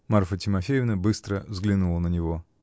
Марфа Тимофеевна быстро взглянула на него.